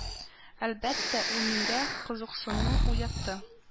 Әлбәттә, ул миндә кызыксыну уятты